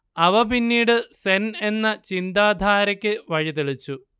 അവ പിന്നീട് സെൻ എന്ന ചിന്താധാരക്ക് വഴിതെളിച്ചു